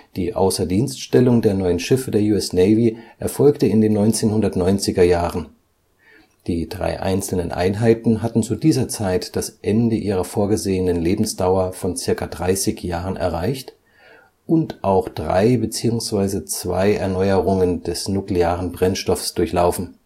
Die Außerdienststellung der neun Schiffe der US Navy erfolgte in den 1990er Jahren. Die drei einzelnen Einheiten hatten zu dieser Zeit das Ende ihrer vorgesehenen Lebensdauer von ca. 30 Jahren erreicht und auch drei (USS Long Beach) beziehungsweise jeweils zwei (USS Bainbridge und USS Truxtun) Erneuerungen des nuklearen Brennstoffs durchlaufen